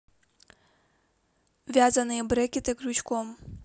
вязанные береты крючком